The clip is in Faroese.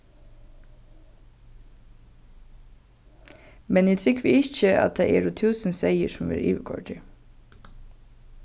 men eg trúgvi ikki at tað eru túsund seyðir sum verða yvirkoyrdir